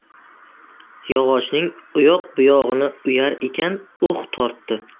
yog'ochning uyoq buyog'ini o'yar ekan uh tortdi